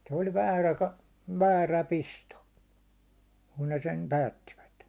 se oli väärä - väärä pisto kun ne sen päättivät